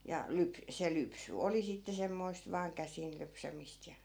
ja - se lypsy oli sitten semmoista vain käsin lypsämistä ja